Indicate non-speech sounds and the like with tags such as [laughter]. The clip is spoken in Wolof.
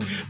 [hesitation] [hesitation]